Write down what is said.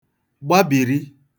gbabìri